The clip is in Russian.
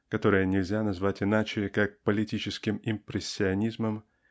которое нельзя назвать иначе как политическим импрессионизмом